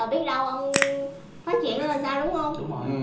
biết đâu ông phát triển lên thì sao đúng không